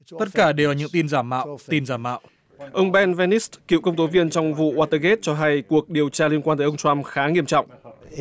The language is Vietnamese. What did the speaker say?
tất cả đều là những tin giả mạo tin giả mạo ông ben ve nít cựu công tố viên trong vụ goa tơ ghết cho hay cuộc điều tra liên quan tới ông trăm khá nghiêm trọng